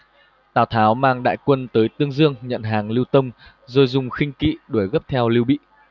tào tháo mang đại quân tới tương dương nhận hàng lưu tông rồi dùng khinh kỵ đuổi gấp theo lưu bị